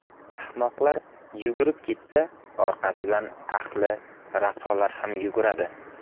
ahmoqlar yugurib ketsa orqasida aqli rasolar ham yuguradi